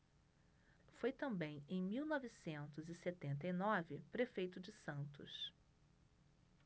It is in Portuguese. foi também em mil novecentos e setenta e nove prefeito de santos